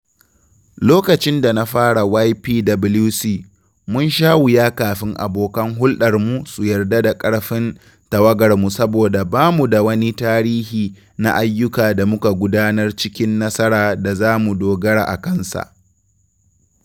Lokacin da na fara YPWC, mun sha wuya kafin abokan huldarmu su yarda da ƙarfin tawagarmu saboda ba mu da wani tarihi na ayyuka da muka gudanar cikin nasara da za mu dogara a kansa.